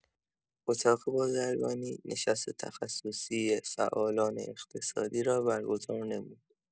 اتاق بازرگانی نشست تخصصی فعالان اقتصادی را برگزار نمود.